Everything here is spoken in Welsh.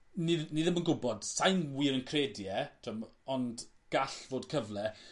ni ni ddim yn gwbod. Sai'n wir yn credu e t'm' ma- ond gall fod cyfle